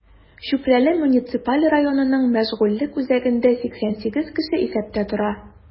Чүпрәле муниципаль районының мәшгульлек үзәгендә 88 кеше исәптә тора.